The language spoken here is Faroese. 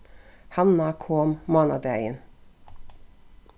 hanna kom mánadagin